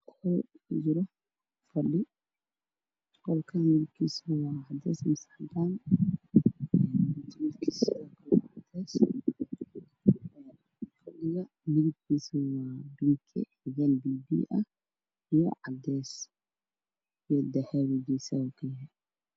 Waa qol kujiro fadhi. Qolku waa cadaan iyo cadeys, mutuleelkiisu waa cadeys, fadhigu waa bingi biyo biyo ah iyo cadeys geesahana dahabi ayuu kayahay.